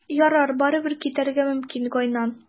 Ярар, барыбер, китәргә мөмкин, Гайнан.